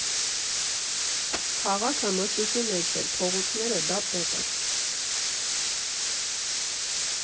Քաղաքը մշուշի մեջ էր, փողոցները դափ֊դատարկ։